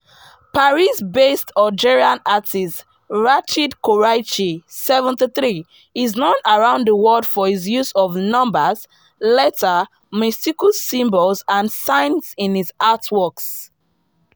Paris-based Algerian artist Rachid Koraichi, 73, is known around the world for his use of numbers, letters, mystical symbols and signs in his artworks.